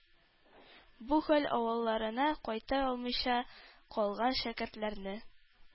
Бу хәл авылларына кайта алмыйча калган шәкертләрне